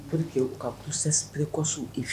Uour queke kap kɔso e fɛ